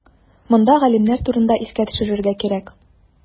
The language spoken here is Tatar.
Монда галимнәр турында искә төшерергә кирәк.